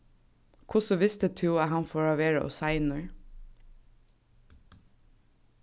hvussu visti tú at hann fór at verða ov seinur